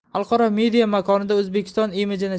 xalqaro media makonida o'zbekiston imijini